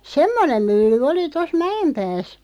semmoinen mylly oli tuossa Mäenpäässä